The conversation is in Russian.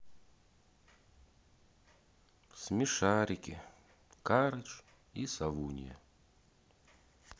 смешарики карыч и совунья